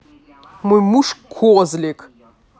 мой мужик козлик